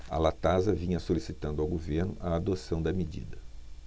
a latasa vinha solicitando ao governo a adoção da medida